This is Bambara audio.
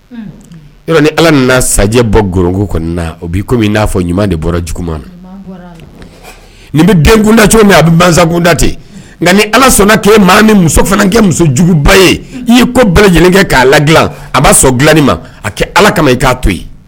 Ni ala nana bɔ gugu oa fɔ ɲuman de bɔra juguman na nin bɛ denkunda cogo min a bɛsakunda ten nka ni ala sɔnna tun ye maa ni muso fana kɛ musojuguba ye i ye ko bɛɛ kɛ ka la dila a b'a sɔrɔ dilain ma a kɛ ala ka i k to yen